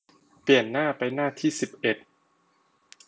เปลี่ยนหน้าไปหน้าที่สิบเอ็ด